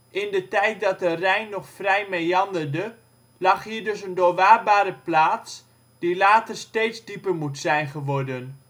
In de tijd dat de Rijn nog vrij meanderde, lag hier dus een doorwaadbare plaats, die later steeds dieper moet zijn geworden